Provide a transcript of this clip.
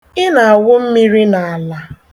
Ị na-awụ mmiri n'ala.